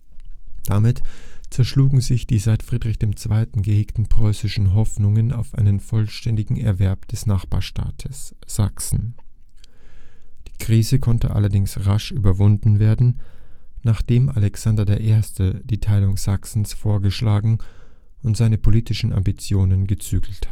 Damit zerschlugen sich die seit Friedrich II. gehegten preußischen Hoffnungen auf einen vollständigen Erwerb des Nachbarstaates Sachsen. Die Krise konnte allerdings rasch überwunden werden, nachdem Alexander I. die Teilung Sachsens vorgeschlagen und seine polnischen Ambitionen gezügelt